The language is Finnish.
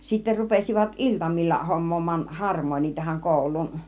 sitten rupesivat iltamilla hommaamaan harmonia tähän kouluun